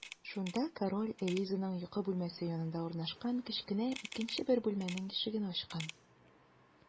Шунда король Элизаның йокы бүлмәсе янында урнашкан кечкенә икенче бер бүлмәнең ишеген ачкан.